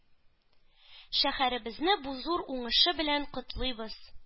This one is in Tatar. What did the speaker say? Шәһәрдәшебезне бу зур уңышы белән котлыйбыз,